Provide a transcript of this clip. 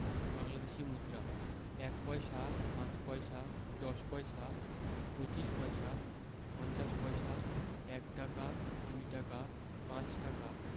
বাংলাদেশি মুদ্রাঃ ১ পয়সা ৫ পয়সা ১০ পয়সা ২৫ পয়সা ৫০ পয়সা ১ টাকা ২ টাকা ৫ টাকা